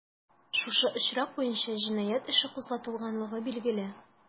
Шушы очрак буенча җинаять эше кузгатылганлыгы билгеле.